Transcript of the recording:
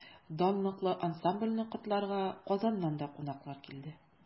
Данлыклы ансамбльне котларга Казаннан да кунаклар килде.